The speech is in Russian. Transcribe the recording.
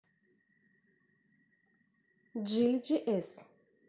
джили джи эс